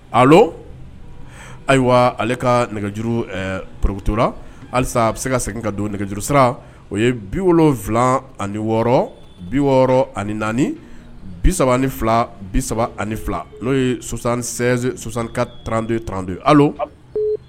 Ayiwa ale ka nɛgɛj poroto halisa a bɛ se ka segin ka don nɛgɛjuru sira o ye bi wolo wolonwula ani wɔɔrɔ bi wɔɔrɔ ani naani bisa fila bi saba ani fila n'o yesansanka tanrante tan